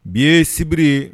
Bi ye sibiri ye